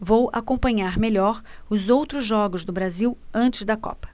vou acompanhar melhor os outros jogos do brasil antes da copa